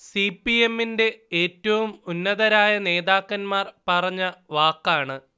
C. P. എ മ്മിന്റെ ഏറ്റവും ഉന്നതരായ നേതാക്കന്മാർ പറഞ്ഞ വാക്കാണ്